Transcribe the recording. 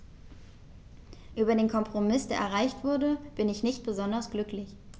Über den Kompromiss, der erreicht wurde, bin ich nicht besonders glücklich.